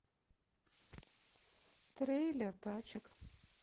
трейлер тачек